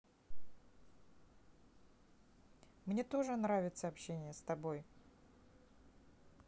мне тоже нравится общение с тобой